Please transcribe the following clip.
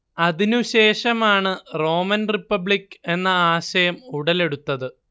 അതിനു ശേഷമാണ് Roman republic എന്ന ആശയം ഉടലെടുത്തത്